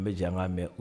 An bɛ jan ankan mɛn